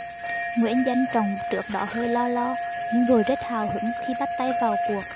nguyễn danh trọng trước đó hơi lo lo nhưng rồi rất hào hứng khi bắt tay vào cuộc